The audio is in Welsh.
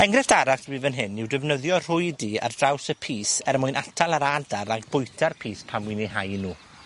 Enghrefft arall 'da fi fan hyn yw defnyddio rhwydi ar draws y pys er mwyn atal yr adar rag bwyta'r pys pan wy'n 'u hau nw.